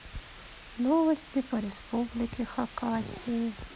новости по республике хакасии